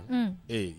Un ee